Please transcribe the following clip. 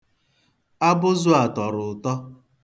Abụzụ a tọrọ ụtọ.